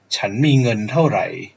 ฉันมีเงินเท่าไร